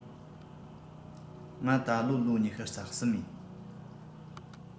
ང ད ལོ ལོ ཉི ཤུ རྩ གསུམ ཡིན